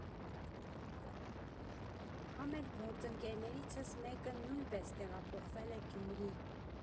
Համ էլ գործընկերներիցս մեկը նույնպես տեղափոխվել է Գյումրի.